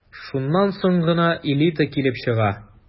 Шуннан соң гына «элита» килеп чыга...